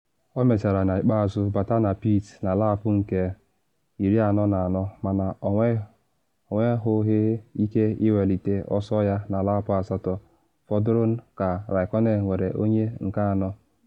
Ọ mechara n’ikpeazụ bata na pit na lap nke 44 mana ọ nwenwughi ike iwelite ọsọ ya na lap asatọ fọdụrụ ka Raikkonen were onye nke anọ.